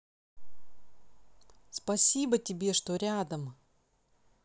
спасибо тебе что рядом